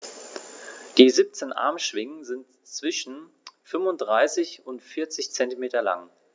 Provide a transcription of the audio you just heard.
Die 17 Armschwingen sind zwischen 35 und 40 cm lang.